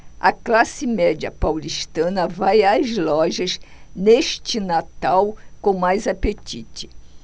a classe média paulistana vai às lojas neste natal com mais apetite